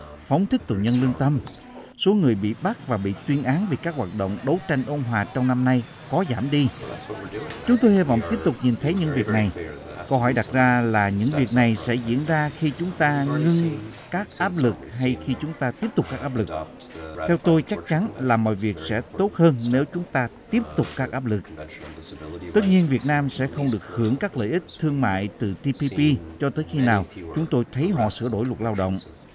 phóng thích tù nhân lương tâm số người bị bắt và bị tuyên án về các hoạt động đấu tranh ôn hòa trong năm nay có giảm đi chúng tôi hy vọng tiếp tục nhìn thấy những việc này câu hỏi đặt ra là những việc này sẽ diễn ra khi chúng ta ngưng các áp lực hay khi chúng ta tiếp tục các áp lực theo tôi chắc chắn là mọi việc sẽ tốt hơn nếu chúng ta tiếp tục các áp lực tất nhiên việt nam sẽ không được hưởng các lợi ích thương mại từ ti bi bi cho tới khi nào chúng tôi thấy họ sửa đổi luật lao động